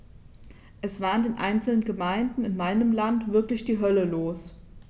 Es war in einzelnen Gemeinden in meinem Land wirklich die Hölle los.